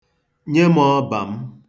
Nye m ọba m.